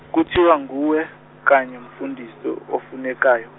kuthiwa nguwe, kanye mfundisi ofunekayo.